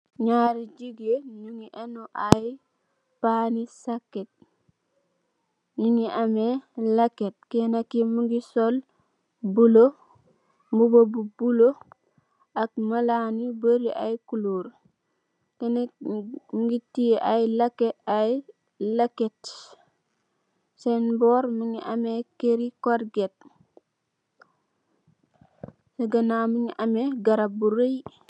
Nyaari jigeen nyungi enu aye Paani saket, nyungi ame laket, kenaki mungi sol mbuba bu buleuh, ak malaan yu bori aye kuloor, kanen ki mungi teyeeh aye laket, sen boor mungi ame kerri korget, si ganaaw mungi ame garap.